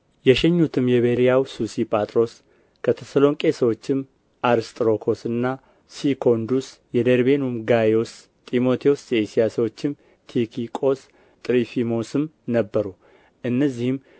የሸኙትም የቤርያው ሱሲጳጥሮስ ከተሰሎንቄ ሰዎችም አርስጥሮኮስና ሲኮንዱስ የደርቤኑም ጋይዮስና ጢሞቴዎስ የእስያ ሰዎችም ቲኪቆስ ጥሮፊሞስም ነበሩ እነዚህም